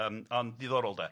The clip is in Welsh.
Yym ond ddiddorol de.